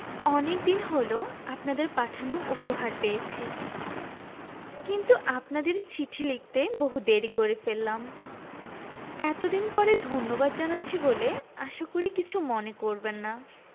অনেকদিন হল আপনাদের পাঠানো উপহার পেয়েছি কিন্তু আপনাদের চিঠি লিখতে বহু দেরী করে ফেললাম এতদিন পরে ধন্যবাদ জানাচ্ছি বলে আশা করি কিছু মনে করবেন না